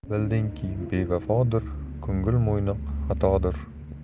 bildingki bevafodir ko'ngil qo'ymoq xatodir